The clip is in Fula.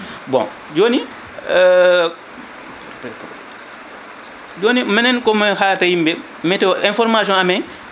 bon joni minen komin haalata yimɓeɓe météo information amen